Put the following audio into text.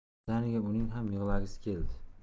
birdaniga uning ham yig'lagisi keldi